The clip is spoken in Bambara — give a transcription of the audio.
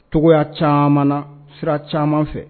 Togo caman sira caman fɛ